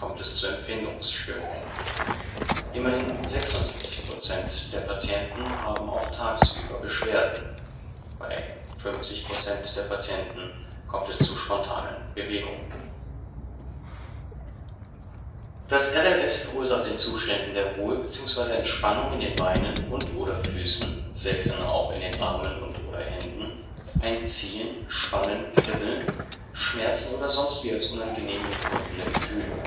Das RLS verursacht in Zuständen der Ruhe bzw. Entspannung in den Beinen und/oder Füßen (seltener auch in den Armen und/oder Händen) ein Ziehen, Spannen, Kribbeln, Schmerzen oder sonst wie als unangenehm empfundene Gefühle